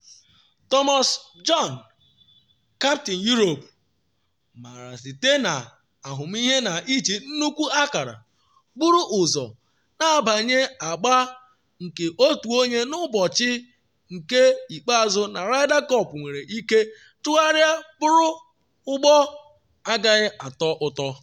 Thomas Bjorn, kaptịn Europe, maara site na ahụmihe na iji nnukwu akara buru ụzọ na-abanye agba nke otu onye n’ụbọchị nke ikpeazụ na Ryder Cup nwere ike tugharịa bụrụ ụgbọ agaghị atọ ụtọ.